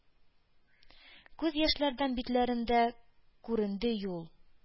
Күз яшьләрдән битләрендә күренде юл;